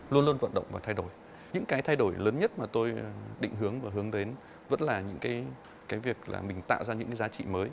luôn luôn vận động và thay đổi những cái thay đổi lớn nhất mà tôi định hướng và hướng đến vẫn là những cái cái việc là mình tạo ra những giá trị mới